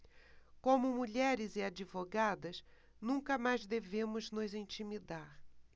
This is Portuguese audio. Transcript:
como mulheres e advogadas nunca mais devemos nos intimidar